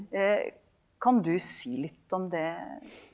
kan du si litt om det?